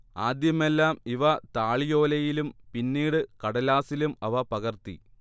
ആദ്യമെല്ലാം ഇവ താളിയോലയിലും പിന്നീട് കടലാസിലും അവ പകർത്തി